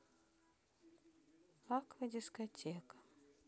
аква дискотека